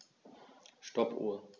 Stoppuhr.